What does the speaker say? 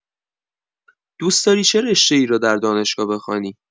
دوست‌داری چه رشته‌ای را در دانشگاه بخوانی؟